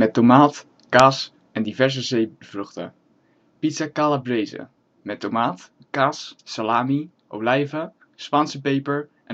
tomaat, kaas, diverse zeevruchten) Pizza Calabrese (tomaat, kaas, salami, olijven, Spaanse peper